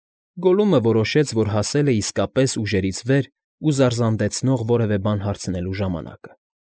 Գոլլումը որոշեց, որ հասել է իսկապես ուժերից վեր ու զարզանդեցնող որևէ բան հարցնելու ժամանակը։